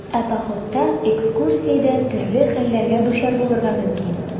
Ә походта, экскурсиядә төрле хәлләргә дучар булырга мөмкин.